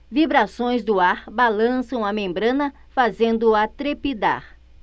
vibrações do ar balançam a membrana fazendo-a trepidar